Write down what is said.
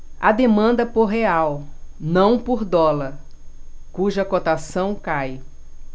há demanda por real não por dólar cuja cotação cai